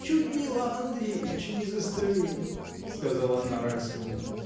Чуть Нила Андреевича не застрелил, — сказала она Райскому.